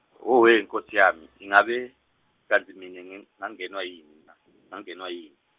ohhe nkhosi yami, ingabe, kantsi mine ngi, ngangenwa yini na, ngangenwa yini?